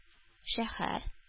Шәһәр